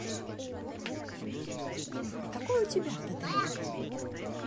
а какой у тебя подарок